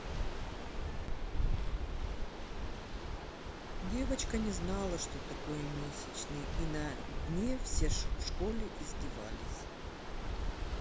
девочка не знала что такое месячные и на дне все в школе издевались